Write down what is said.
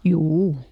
juu